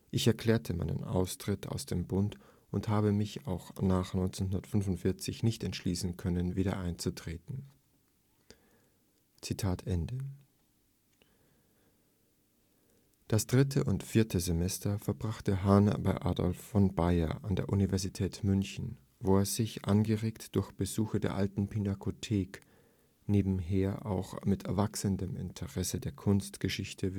Ich erklärte meinen Austritt aus dem Bund und habe mich auch nach 1945 nicht entschließen können, wieder einzutreten. “Das dritte und vierte Semester verbrachte Hahn bei Adolf von Baeyer an der Universität München, wo er sich, angeregt durch Besuche der Alten Pinakothek, nebenher auch mit wachsendem Interesse der Kunstgeschichte